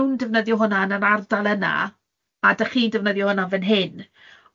nhw'n defnyddio hwnna yn yr ardal yna, a 'dach chi'n defnyddio hwnna fan hyn.